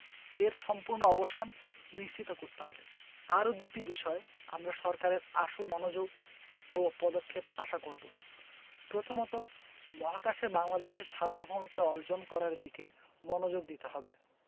এর সম্পূর্ণ অবসান নিশ্চিত করতে হবে আরও দুটি বিষয়ে আমরা সরকারের আশু মনোযোগ ও পদক্ষেপ আশা করব প্রথমত মহাকাশে বাংলাদেশের সার্বভৌমত্ব অর্জন করার দিকে মনোযোগ দিতে হবে